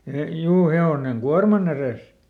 - juu hevonen kuorman edessä